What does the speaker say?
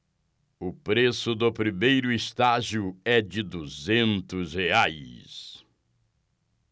o preço do primeiro estágio é de duzentos reais